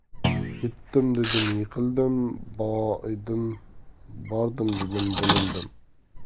yetdim dedim yiqildim boidim dedim bo'lindim